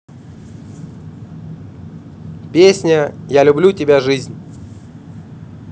песня я люблю тебя жизнь